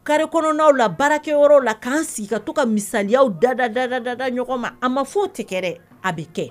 Kari kɔnɔn' la baarakɛ yɔrɔ la k'an sigi ka to ka misaliya dada da da dada ɲɔgɔn ma a ma fɔ tɛkɛɛrɛ a bɛ kɛ